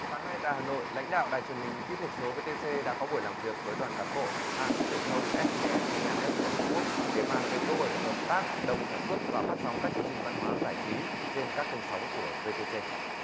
sáng nay tại hà nội lãnh đạo đài truyền hình kỹ thuật số vê tê xê đã có buổi làm việc với đoàn cán bộ hãng truyền thông sét bê sét mê đi en ét của hàn quốc để bàn về cơ hội hợp tác đồng sản xuất và phát sóng các chương trình văn hóa giải trí trên các kênh sóng của vê tê sê